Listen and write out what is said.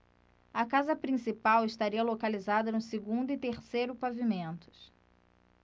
a casa principal estaria localizada no segundo e terceiro pavimentos